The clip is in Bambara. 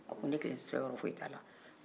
a ko ne kelen seyɔrɔ foyi t'a la